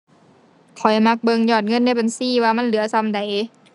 ข้อยมักเบิ่งยอดเงินในบัญชีว่ามันเหลือส่ำใด